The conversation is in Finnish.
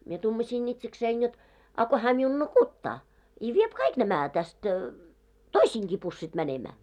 minä tuumasin itsekseni jotta a kun hän minun nukuttaa i vie kaikki nämä tästä toistenkin pussit menemään